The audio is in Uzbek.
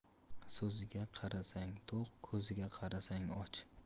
so'ziga qarasang to'q ko'ziga qarasang och